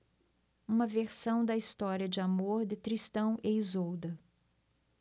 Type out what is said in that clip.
uma versão da história de amor de tristão e isolda